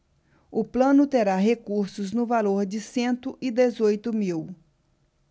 o plano terá recursos no valor de cento e dezoito mil